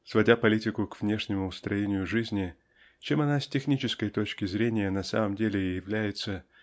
Сводя политику к внешнему устроеннию жизни -- чем она с технической точки зрения на самом деле и является